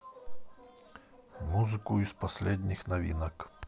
музыку из последних новинок